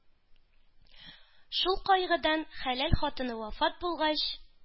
Шул кайгыдан хәләл хатыны вафат булгач,